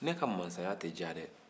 ne ka mansaya tɛ diya dɛ